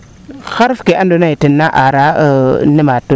xaref kee ando naye tena aara nemaat feene leyoona